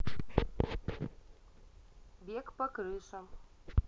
бег по крышам